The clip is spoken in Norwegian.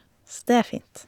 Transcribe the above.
Så det er fint.